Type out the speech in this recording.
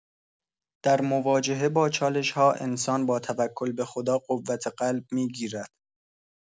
در مواجهه با چالش‌ها، انسان با توکل به‌خدا قوت قلب می‌گیرد.